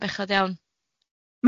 bechod iawn.